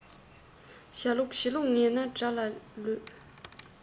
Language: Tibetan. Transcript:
བྱ ལུགས བྱེད ལུགས ངན ན དགྲ ལས ལོད